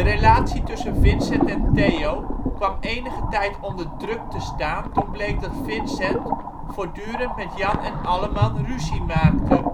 relatie tussen Vincent en Theo kwam enige tijd onder druk te staan toen bleek dat Vincent voortdurend met Jan en alleman ruzie maakte.